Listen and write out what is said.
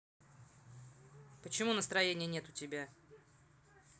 почему настроение нет у тебя